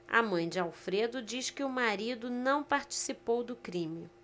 a mãe de alfredo diz que o marido não participou do crime